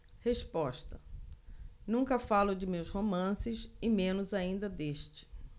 resposta nunca falo de meus romances e menos ainda deste